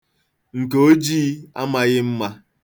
Nke ojii amaghị mma.